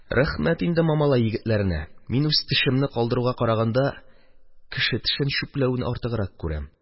Рәхмәт инде Мамалай егетләренә, мин үз тешемне калдыруга караганда, кеше тешен чүпләүне артыграк күрәм.